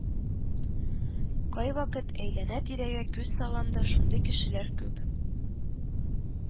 Кайвакыт әйләнә-тирәгә күз салам да, шундый кешеләр күп